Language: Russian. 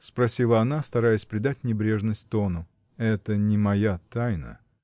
— спросила она, стараясь придать небрежность тону. — Это не моя тайна!